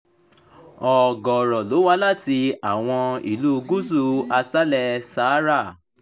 Ọ̀gọ̀rọ̀ ló wá láti àwọn Ìlú Gúúsù Aṣálẹ̀ Sahara.